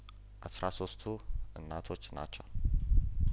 አስራ ሶስቱ እናቶች ናቸው